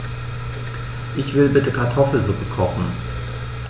Ich will bitte Kartoffelsuppe kochen.